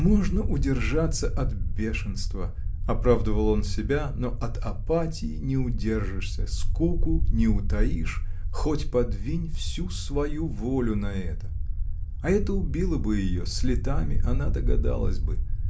“Можно удержаться от бешенства, — оправдывал он себя, — но от апатии не удержишься, скуку не утаишь, хоть подвинь всю свою волю на это!” А это убило бы ее: с летами она догадалась бы.